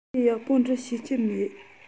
ངས ཡག པོ འབྲི ཤེས ཀྱི མེད